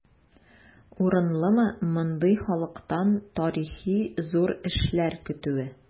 Урынлымы мондый халыктан тарихи зур эшләр көтүе?